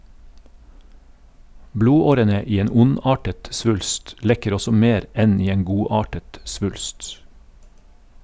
Blodårene i en ondartet svulst lekker også mer enn i en godartet svulst.